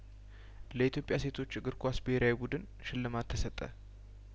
ለኢትዮጵያ ሴቶች እግር ኳስ ብሄራዊ ቡድን ሽልማት ተሰጠ